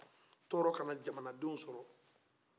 tɔrɔ ka na jamanadenw sɔrɔ